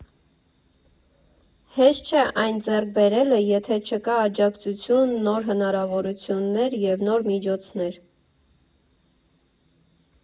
Հեշտ չէ այն ձեռք բերելը, եթե չկա աջակցություն, նոր հնարավորություններ և նոր միջոցներ։